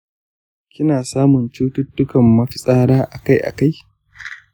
kina samun cututtukan mafitsara akai akai?